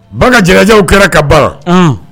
Ban ka jalaw kɛra ka baara